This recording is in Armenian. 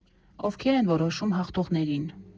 Ովքե՞ր են որոշում հաղթողներին։